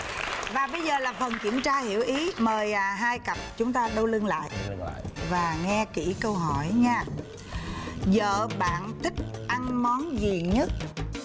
và bây giờ là phần kiểm tra hiểu ý mời à hai cặp chúng ta đâu lưng lại và nghe kỹ câu hỏi nha dợ bạn thích ăn món gì nhất